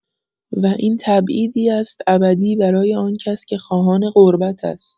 و این تبعیدی است ابدی برای آن‌کس که خواهان غربت است.